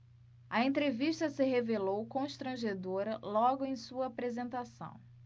a entrevista se revelou constrangedora logo em sua apresentação